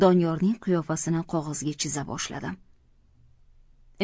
doniyorning qiyofasini qog'ozga chiza boshladim